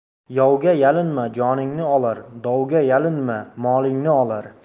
yovga yalinma joningni olar dovga yalinma molingni olar